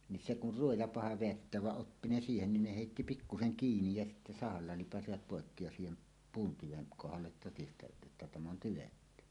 niin se kun ruoja paha vedättää vaan oppi ne siihenkin ne heitti pikkuisen kiinni ja sitten sahalla lipaisivat poikki ja siihen puun tyven kohdalle todistajat että tämä on tyvetty